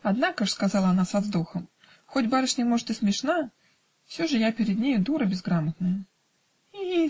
"Однако ж, -- сказала она со вздохом, -- хоть барышня, может, и смешна, все же я перед нею дура безграмотная". -- "И!